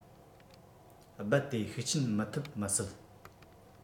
རྦད དེ ཤུགས རྐྱེན མི ཐེབས མི སྲིད